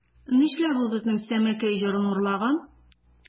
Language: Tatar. Нишләп ул безнең Сәмәкәй җырын урлаган?